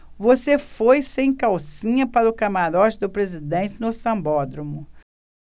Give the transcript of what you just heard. você foi sem calcinha para o camarote do presidente no sambódromo